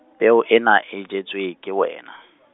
peo ena, e jwetse ke wena.